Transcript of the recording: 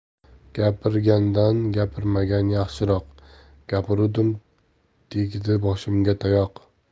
gapirgandan gapirmagan yaxshiroq gapiruvdim tegdi boshimga tayoq